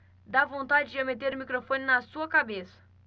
dá vontade de eu meter o microfone na sua cabeça